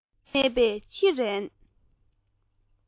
སོན མེད པར འཆི རན